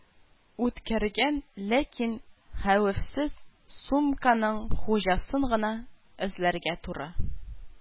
Үткәргән, ләкин хәвефсез сумканың хуҗасын гына эзләргә туры